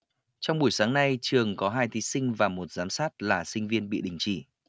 trong buổi sáng nay trường có hai thí sinh và một giám sát là sinh viên bị đình chỉ